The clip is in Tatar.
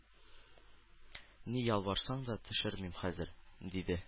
Ни ялварсаң да төшермим хәзер! — диде.